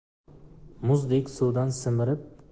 muzdek suvdan simirib